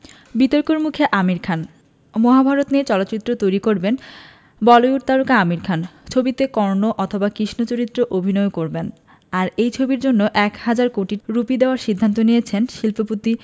বিতর্কের মুখে আমির খান মহাভারত নিয়ে চলচ্চিত্র তৈরি করবেন বলিউড তারকা আমির খান ছবিতে কর্ণ অথবা কৃষ্ণ চরিত্রে অভিনয়ও করবেন আর এই ছবির জন্য এক হাজার কোটি রুপি দেওয়ার সিদ্ধান্ত নিয়েছে শিল্পপতি